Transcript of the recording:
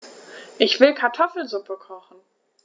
Ich will Kartoffelsuppe kochen.